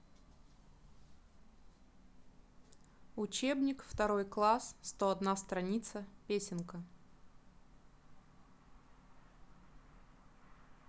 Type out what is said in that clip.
учебник второй класс сто одна страница песенка